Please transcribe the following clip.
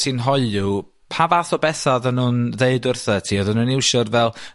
ti'n hoyw, pa fath o betha oddan nw'n ddeud wrtha ti odden nw'n iswiad fel